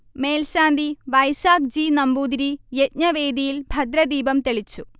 മേൽശാന്തി വൈശാഖ് ജി. നമ്പൂതിരി യജ്ഞവേദിയിൽ ഭദ്രദീപം തെളിച്ചു